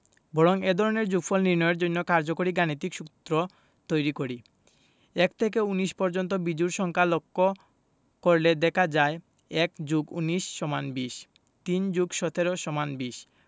বরং এ ধরনের যোগফল নির্ণয়ের জন্য কার্যকর গাণিতিক সূত্র তৈরি করি ১ থেকে ১৯ পর্যন্ত বিজোড় সংখ্যা লক্ষ করলে দেখা যায় ১+১৯=২০ ৩+১৭=২০